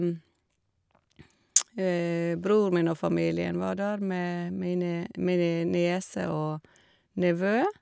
Bror min og familien var der med mine mine nieser og nevø.